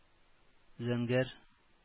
Зәңгәр